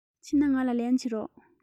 ཕྱིན ན ང ལ ལན བྱིན རོགས